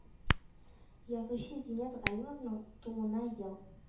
Язучы зиннәт галимовның тууына ел